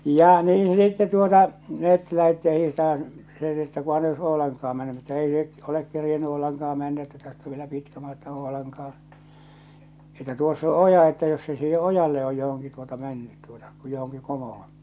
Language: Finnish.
ja niin sitten tuota me lähdettiin ja hiihtämään se sitten että kunhan ei olisi Oulankaan mennyt minä että ei se ole kerinnyt Oulankaan mennä että tästä on vielä pitkä matka Oulankaan että tuossa on oja että jos se siihen ojalle on johonkin tuota mennyt tuota kun johonkin komoon